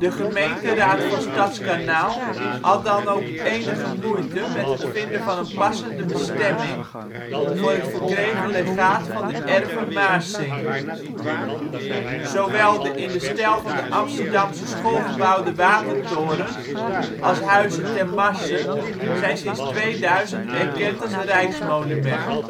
gemeenteraad van Stadskanaal had dan ook enige moeite met het vinden van een passende bestemming voor het verkregen legaat van de erven Maarsingh. Zowel de in de stijl van de Amsterdamse School gebouwde watertoren als Huize Ter Marse zijn sinds 2000 erkend als rijksmonument